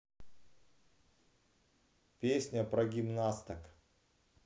песня про гимнасток